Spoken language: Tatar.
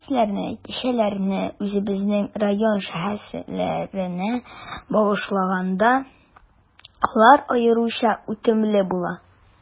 Дәресләрне, кичәләрне үзебезнең район шәхесләренә багышлаганда, алар аеруча үтемле була.